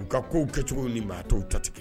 U ka kow kɛ cogo nin maa tɔw ta tɛ